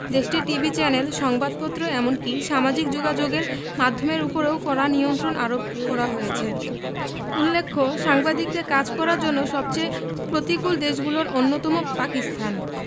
দেশটির TV channel সংবাদপত্র এমনকি সামাজিক যোগাযোগের মাধ্যমের উপরেও কড়া নিয়ন্ত্রণ আরোপ করা হয়েছে উল্লেখ্য সাংবাদিকদের কাজ করার জন্য সবচেয়ে প্রতিকূল দেশগুলোর অন্যতম পাকিস্তান